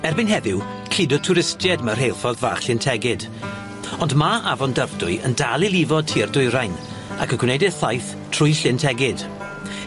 Erbyn heddiw cludo twristied ma' rheilffordd bach Llyn Tegid. Ond ma' anfon Dyfrdwy yn dal i lifo tua'r dwyrain, ac yn gwneud ei thaith trwy Llyn Tegid.